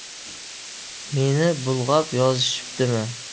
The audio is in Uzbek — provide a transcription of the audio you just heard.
meni bulg'ab yozishibdimi